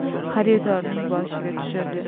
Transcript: xaridorning boshiga tushirdi